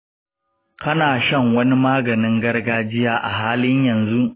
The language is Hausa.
kana shan wani maganin gargajiya a halin yanzu?